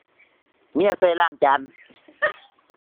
เมียใช้ล้างจาน